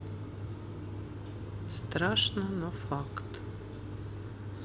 страшно но факт